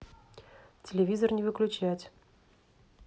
телевизор не выключать